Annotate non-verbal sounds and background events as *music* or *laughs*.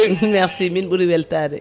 *laughs* merci min ɓuuri weltade